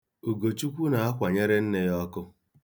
Ugochukwu na-akwanyere nne ya ọkụ.